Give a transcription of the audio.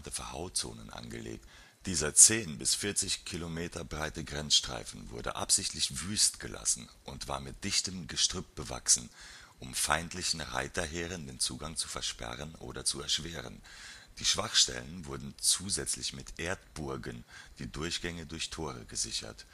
Verhauzonen “angelegt. Dieser 10 bis 40 km breite Grenzstreifen wurde absichtlich wüst gelassen und war mit dichtem Gestrüpp bewachsen, um feindlichen Reiterheeren den Zugang zu versperren oder zu erschweren. Die Schwachstellen wurden zusätzlich mit Erdburgen, die Durchgänge durch Tore gesichert